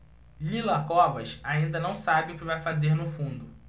lila covas ainda não sabe o que vai fazer no fundo